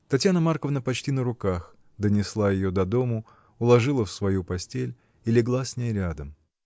Татьяна Марковна почти на руках донесла ее до дому, уложила в свою постель и легла с ней рядом.